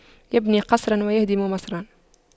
يبني قصراً ويهدم مصراً